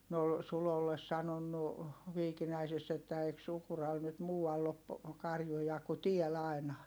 ne oli Sulolle sanonut Viikinäisessä että eikö Sukuralla nyt muualla ole karjuja kuin täällä aina